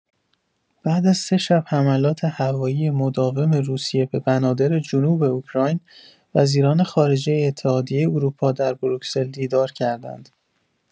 بعد از سه شب حملات هوایی مداوم روسیه به بنادر جنوب اوکراین، وزیران خارجه اتحادیه اروپا در بروکسل دیدار کردند.